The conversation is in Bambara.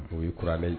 O ye kura